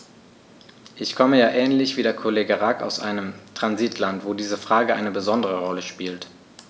Ich komme ja ähnlich wie der Kollege Rack aus einem Transitland, wo diese Frage eine besondere Rolle spielt.